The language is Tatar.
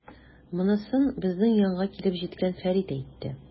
Монысын безнең янга килеп җиткән Фәрит әйтте.